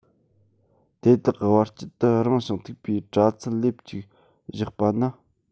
དེ དག གི བར དཀྱིལ དུ རིང ཞིང མཐུག པའི པྲ ཚིལ ལེབ གཅིག བཞག པ ན